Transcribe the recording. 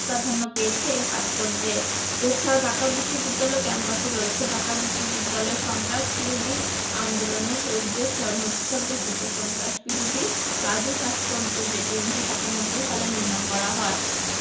প্রাধান্য পেয়েছে এ ভাস্কর্যে এ ছাড়াও ঢাকা বিশ্ববিদ্যালয় ক্যাম্পাসে রয়েছে ঢাকা বিশ্ববিদ্যালয়ে সন্ত্রাসবিরোধী আন্দোলনে শহীদদের স্মরণে উৎসর্গকৃত সন্ত্রাসবিরোধী রাজু ভাস্কর্য যেটি১৯৯৭ সালে নির্মাণ করা হয়